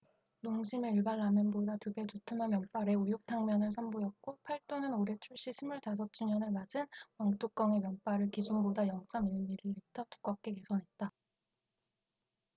농심은 일반라면보다 두 배 두툼한 면발의 우육탕면을 선보였고 팔도는 올해 출시 스물 다섯 주년을 맞은 왕뚜껑의 면발을 기존보다 영 쩜 일 밀리미터 두껍게 개선했다